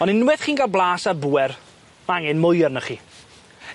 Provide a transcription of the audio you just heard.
Ond unweth chi'n ga'l blas ar bŵer, ma' angen mwy arnoch chi.